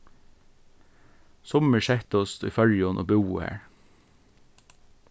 summir settust í føroyum og búðu har